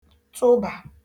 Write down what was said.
tụbà